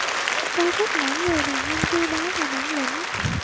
tôi thích mẫu người đàn ông chu đáo và bản lĩnh